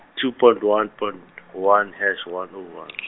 two point one point, one hash one o one .